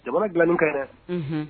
Jamana dilain ka